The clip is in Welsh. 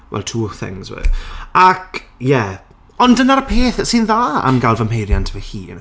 Well two things were. Ac, ie, ond dyna'r peth sy'n dda am gael fy mheiriant fy hun.